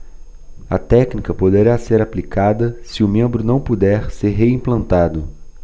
a técnica poderá ser aplicada se o membro não puder ser reimplantado